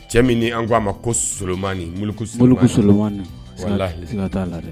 Cɛ min an k ko aa ma ko solonmakulayi